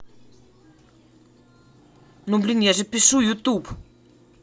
ну блин я ж пишу youtube